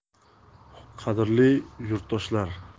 qadrli yurtdoshlar